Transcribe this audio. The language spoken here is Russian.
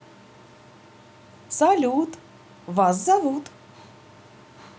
салют вас зовут